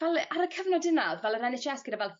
fel yy ar y cyfnod yna fel yr En Aitch Ess gyda fel